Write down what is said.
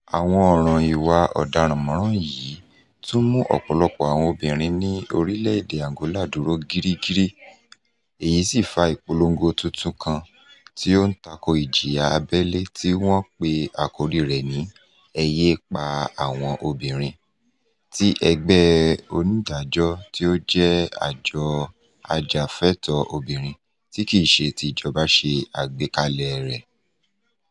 Àwọn ọ̀ràn ìwà ọ̀darànmọràn yìí ti mú ọ̀pọ̀lọpọ̀ àwọn obìnrin ní orílẹ̀-èdè Angola dúró gírígírí, èyí sì fa ìpolongo tuntun kan tí ó ń tako ìjìyà abẹ́lé tí wọ́n pe àkóríi rẹ̀ ní "Ẹ Yé é Pa àwọn Obìnrin" tí Ẹgbẹ́ Ondjango tí ó jẹ́ àjọ ajàfúnẹ̀tọ́ obìnrin tí kì í ṣe ti ìjọba ṣe àgbékalẹ̀ẹ rẹ̀.